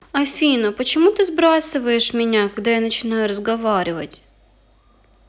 афина почему ты сбрасываешь меня когда я начинаю разговаривать